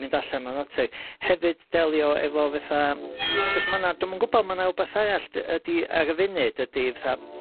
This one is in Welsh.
mynd allan, ti. Hefyd, delio efo fatha... 'C'os ma' 'na dwi'm yn gwbod ma' 'na wbath arall dy- ydi ar y funud ydi fatha